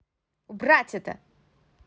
убрать это